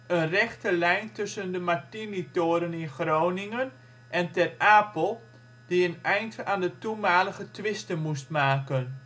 rechte lijn tussen de Martinitoren in Groningen en Ter Apel die een eind aan de toenmalige twisten moest maken